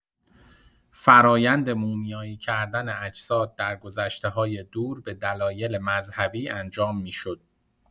فرآیند مومیایی کردن اجساد در گذشته‌های دور به دلایل مذهبی انجام می‌شد.